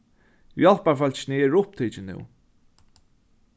hjálparfólkini eru upptikin nú